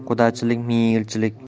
qudachilik ming yilchilik